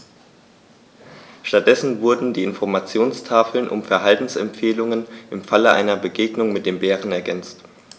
Stattdessen wurden die Informationstafeln um Verhaltensempfehlungen im Falle einer Begegnung mit dem Bären ergänzt.